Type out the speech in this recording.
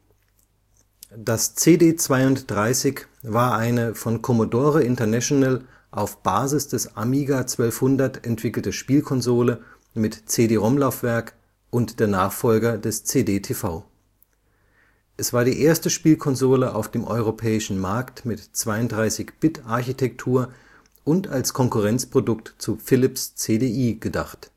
Das CD³² war eine von Commodore International auf Basis des Amiga 1200 entwickelte Spielkonsole mit CD-ROM-Laufwerk – und der Nachfolger des CDTV. Es war die erste Spielkonsole auf dem europäischen Markt mit 32-Bit-Architektur und als Konkurrenzprodukt zu Philips’ CD-i gedacht